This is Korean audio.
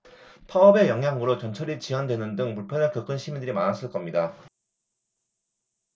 파업의 영향으로 전철이 지연되는 등 불편을 겪은 시민들이 많았을 겁니다